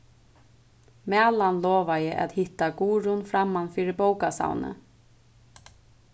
malan lovaði at hitta guðrun framman fyri bókasavnið